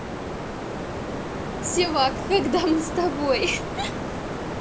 sevak когда мы с тобой